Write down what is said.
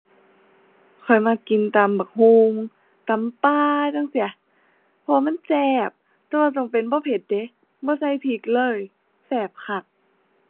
ข้อยมักกินตำบักหุ่ง ตำป่าจั่งซี้ เพราะว่ามันแซ่บ แต่ว่าต้องเป็นบ่เผ็ดเดะ บ่ใส่พริกเลย แซ่บคัก